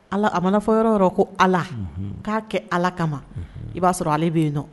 Ala a mana fɔ yɔrɔ yɔrɔ ko Ala unhun k'a kɛ Ala kama unhun i b'a sɔrɔ ale bɛ yen nɔ